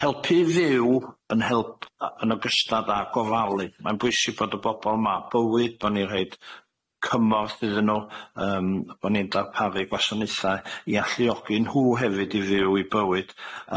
Helpu fyw yn help- a- yn ogystad â gofalu, mae'n bwysig bod y bobol ma' bywyd bo' ni rhoid cymorth iddyn nw, yym bo' ni'n darparu gwasanaethe i alluogi'n nhw hefyd i fyw eu bywyd,